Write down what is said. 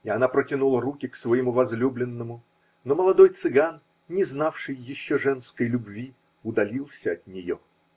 И она протянула руки к своему возлюбленному, но молодой цыган, не знавший еще женской любви, удалился от нее.